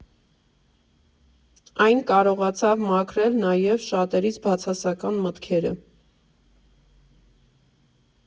Այն կարողացավ մաքրել նաև շատերիս բացասական մտքերը։